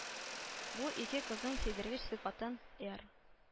Бу ике кызның сөйдергеч сыйфатын, эР